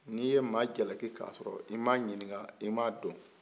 n'i ye mɔgɔ jalaki ka sɔrɔ i m'a ɲininka i m'a dɔn